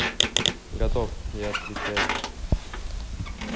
готов я отключаюсь